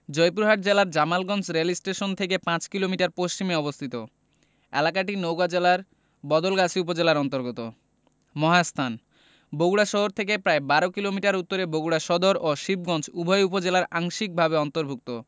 জয়পুরহাট জেলার জামালগঞ্জ রেলস্টেশন থেকে ৫ কিলোমিটার পশ্চিমে অবস্থিত এলাকাটি নওগাঁ জেলার বদলগাছি উপজেলার অন্তর্গত মহাস্থান বগুড়া শহর থেকে প্রায় ১২ কিলোমিটার উত্তরে বগুড়া সদর ও শিবগঞ্জ উভয় উপজেলায় আংশিকভাবে অন্তর্ভুক্ত